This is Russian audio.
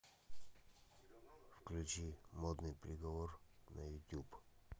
включи модный приговор на ютуб